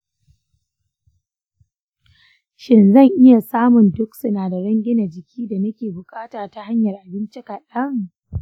shin zan iya samun duk sinadaran gina jiki da nake buƙata ta hanyar abinci kaɗai?